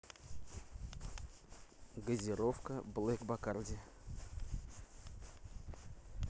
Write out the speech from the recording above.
газировка блэк бакарди